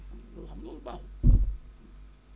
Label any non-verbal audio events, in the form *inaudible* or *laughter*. loolu xam nga loolu baaxul *noise* xam nga